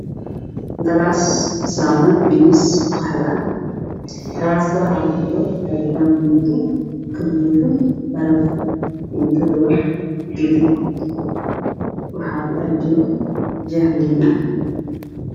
Waa galaas saaran miis qaxwi ah waxaa kujiro cabitaan fiinto gaduudan kabuuxo baraf cabitaanka waxaa kujiro jab liin ah.